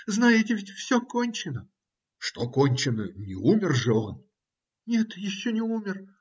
- Знаете, ведь все кончено. - Что кончено? Не умер же он? - Нет, еще не умер.